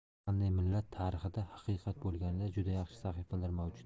har qanday millat tarixida haqiqat bo'lganida juda yaxshi sahifalar mavjud